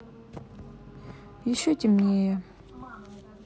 еще темнее